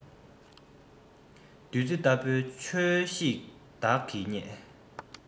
བདུད རྩི ལྟ བུའི ཆོས ཤིག བདག གིས རྙེད